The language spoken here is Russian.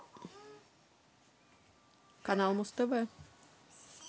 канал муз тв